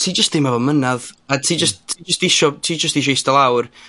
...ti jyst dim efo mynadd, a ti jyst ti jyst isio, ti jyst isio ista lawr.